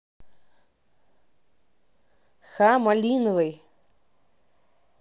ха малиновый